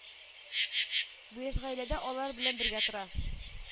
Бу яшь гаилә дә алар белән бергә тора